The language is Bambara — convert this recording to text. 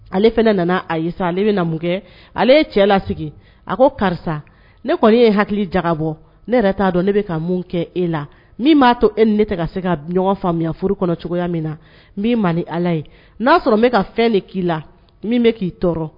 Ale fana nana asa ale bɛna mun kɛ ale ye cɛ la sigi a ko karisa ne kɔni ye hakili jaga bɔ ne yɛrɛ t'a dɔn ne bɛ ka mun kɛ e la min b'a to e ni ne se ka ɲɔgɔn faamuya furu kɔnɔ cogoya min na n b'i ma ni ala ye n'aa sɔrɔ ne ka fɛn de k'i la min bɛ k'i tɔɔrɔ